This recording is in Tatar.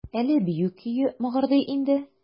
Әллә бию көе мыгырдый инде?